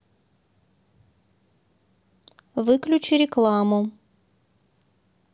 выключи рекламу